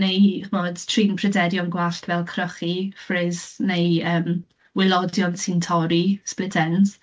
Neu, chimod, trin y pryderion gwallt fel crychu, frizz , neu yym waelodion sy'n torri, split ends.